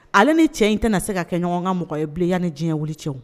Ale ni cɛ in tɛna se ka kɛ ɲɔgɔn kan mɔgɔ ye bilen yan ni diɲɛ wili cɛw